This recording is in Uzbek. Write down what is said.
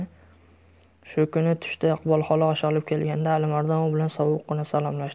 shu kuni tushda iqbol xola osh olib kelganda alimardon u bilan sovuqqina salomlashdi